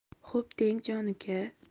xo'p deng jon uka